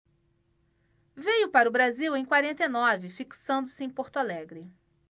veio para o brasil em quarenta e nove fixando-se em porto alegre